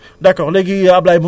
waaw